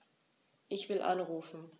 Ich will anrufen.